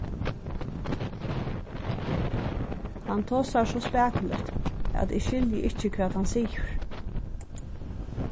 hann tosar so spakuligt at eg skilji ikki hvat hann sigur